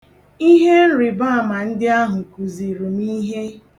Ihe nrịbaama ndị ahụ kụziri m ihe.